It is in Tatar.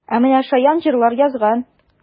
Ә менә шаян җырлар язган!